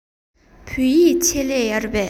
བོད ཡིག ཆེད ལས ཡོད རེད པས